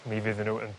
mi fyddyn n'w yn